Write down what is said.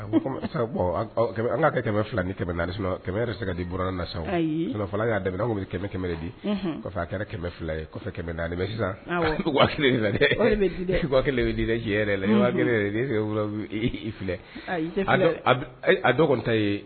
A an ka ka kɛmɛ fila ni kɛmɛ kɛmɛ yɛrɛ se ka di bɔra nasa ɲamakala y'a tɛmɛ kɛmɛ kɛmɛ di a kɛra kɛmɛ fila ye kɔfɛ kɛmɛ naanire bɛ di ji yɛrɛ la yɛrɛ filɛ a dɔ kɔni ta yen